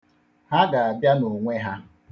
Ha ga-abịa n'onwe ha.